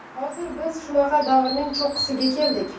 hozir biz shunaqa davrning cho'qqisiga keldik